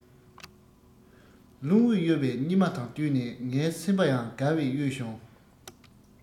རླུང བུས གཡོ བའི སྙེ མ དང བསྟུན ནས ངའི སེམས པ ཡང དགའ བས གཡོས བྱུང